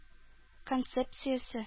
Концепциясе